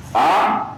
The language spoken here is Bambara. H